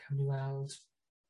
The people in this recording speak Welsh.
Cawn ni weld.